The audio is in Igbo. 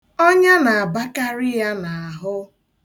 Ọnya na-abakarị ya n'ahụ.